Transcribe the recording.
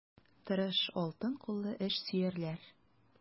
Тырыш, алтын куллы эшсөярләр.